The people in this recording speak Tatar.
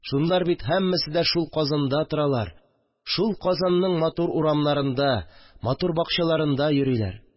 Шунлар бит һәммәсе дә шул Казанда торалар, шул Казанның матур урамнарында, матур бакчаларында йөриләр